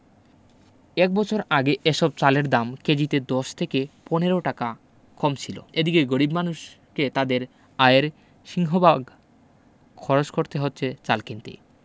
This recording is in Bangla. এক বছর আগে এসব চালের দাম কেজিতে ১০ থেকে ১৫ টাকা কম ছিল এদিকে গরিব মানুষকে তাঁদের আয়ের সিংহভাগ খরচ করতে হচ্ছে চাল কিনতে